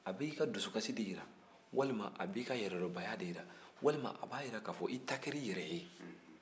a b'i ka dusukasi de jira walima a b'i ka yɛrɛbaya de jira wali a jira k'a fɔ i ta kɛra i yɛrɛ ye